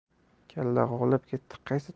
kalla g'ovlab ketdi qaysi